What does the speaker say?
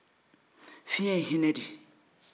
fiyɛn ye hinɛ de ye